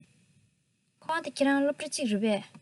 ཁོང དང ཁྱོད རང སློབ གྲྭ གཅིག རེད པས